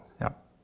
ja.